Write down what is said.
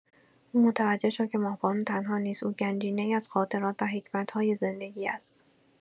او متوجه شد که ماه‌بانو تنها نیست؛ او گنجینه‌ای از خاطرات و حکمت‌های زندگی است.